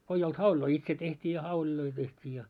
kun ei ollut hauleja itse tehtiin ja hauleja tehtiin ja